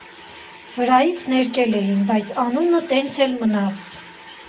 Վրայից ներկել էին, բայց անունը տենց էլ մնաց։